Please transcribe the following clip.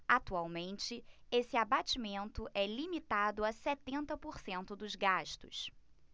atualmente esse abatimento é limitado a setenta por cento dos gastos